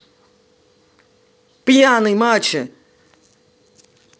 пьяный мачо